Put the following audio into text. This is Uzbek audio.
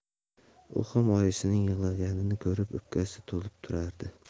u ham oyisining yig'laganini ko'rib o'pkasi to'lib turardi